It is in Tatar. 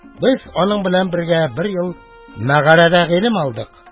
Без аның белән бергә бер ел мәгарәдә гыйлем алдык.